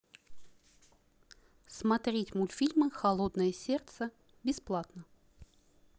смотреть мультфильм холодное сердце бесплатно